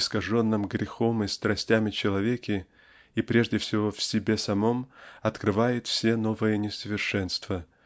искаженном грехом и страстями человеке и прежде всего в себе самом открывает все новые несовершенства